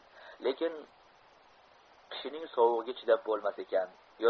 lekin qishining sovug'iga chidab bo'lmas ekan